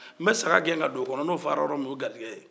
n bɛ saga gɛn ka don o kɔnɔ n'o fara min o y'e grijɛgɛ ye